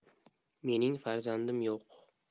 mening farzandim yo'q